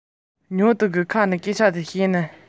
སྐད ཆ འདི དག ཉན གྱིན ཉན གྱིན